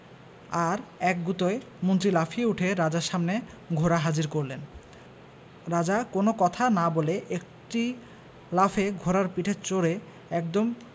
আর এক গুতোয় মন্ত্রী লাফিয়ে উঠে রাজার সামনে ঘোড়া হাজির করলেন রাজা কোন কথা না বলে একটি লাফে ঘোড়ার পিঠে চড়ে একদম